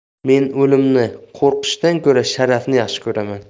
men o'limni qo'rqishdan ko'ra sharafni yaxshi ko'raman